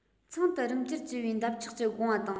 ཚང དུ རུམ འགྱུར བགྱི བའི འདབ ཆགས ཀྱི སྒོ ང དང